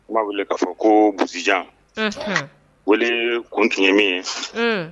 U b'a wele k'a fɔ ko bujan wele kun tɛ min ye